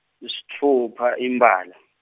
Tisitfupha imbala.